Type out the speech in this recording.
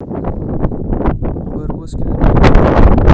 барбоскины на ютубе